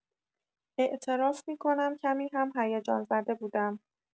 اعتراف می‌کنم کمی هم هیجان‌زده بودم.